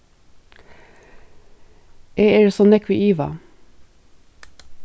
eg eri so nógv í iva